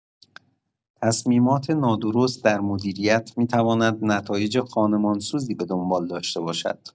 تصمیمات نادرست در مدیریت می‌تواند نتایج خانمانسوزی به دنبال داشته باشد.